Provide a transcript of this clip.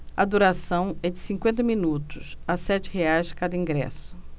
a duração é de cinquenta minutos a sete reais cada ingresso